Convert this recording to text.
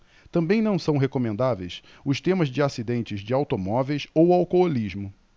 também não são recomendáveis os temas de acidentes de automóveis ou alcoolismo